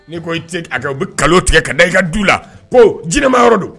Ni ko ce kɛ u bɛ kalo tigɛ ka na i ka du la ko jinɛma ma yɔrɔ don